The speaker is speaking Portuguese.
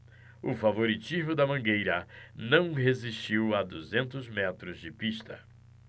o favoritismo da mangueira não resistiu a duzentos metros de pista